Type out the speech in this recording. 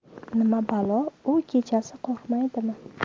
nima balo u kechasi qo'rqmaydimi